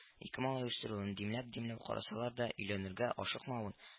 Ике малай үстерүен, димләп-димләп карасалар да, өйләнергә ашыкмавын